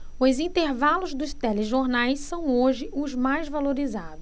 os intervalos dos telejornais são hoje os mais valorizados